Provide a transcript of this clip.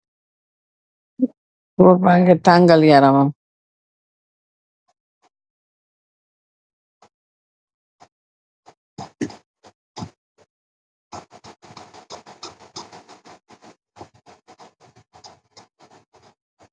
Gór bangi tangal yaram 'am.